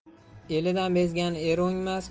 elidan bezgan er o'ngmas